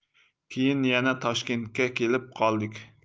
keyin yana toshkentga kelib qoldik